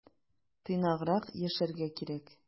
Тыйнаграк яшәргә кирәк.